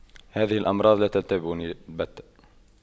هذه الأمراض لا تنتابني بته